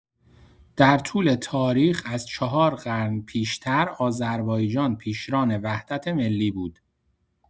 در طول تاریخ از ۴ قرن پیش‌تر آذربایجان پیشران وحدت ملی بود.